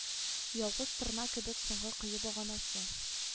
Ялгыз торна кебек соңгы кое баганасы